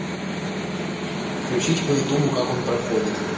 включить по ютубу как он проходит